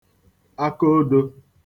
akoodō